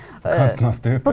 på kanten av stupet.